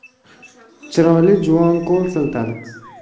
chiroyli juvon qo'l siltadi